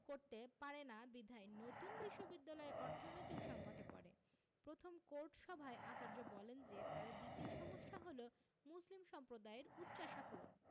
করতে পারে না বিধায় নতুন বিশ্ববিদ্যালয় অর্থনৈতিক সংকটে পড়ে প্রথম কোর্ট সভায় আচার্য বলেন যে তাঁর দ্বিতীয় সমস্যা হলো মুসলিম সম্প্রদায়ের উচ্চাশা পূরণ